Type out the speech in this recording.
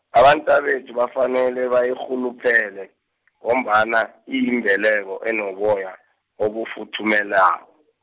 abantabethu bafanele bayirhuluphele , ngombana, iyimbeleko enoboya , obufuthumelako .